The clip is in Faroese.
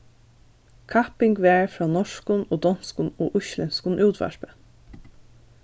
kapping var frá norskum og donskum og íslendskum útvarpi